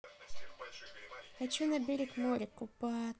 хочу на берег моря купаться